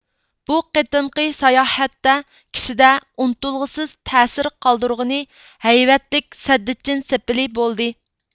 بۇ قېتىمقى ساياھەتتە كىشىدە ئۇنتۇلغۇسىز تەسىر قالدۇرغىنى ھەيۋەتلىك سەددىچىن سېپىلى بولدى